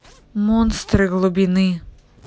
монстры глубины